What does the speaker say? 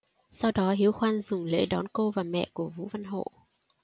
sau đó hiếu khoan dùng lễ đón cô và mẹ của vũ văn hộ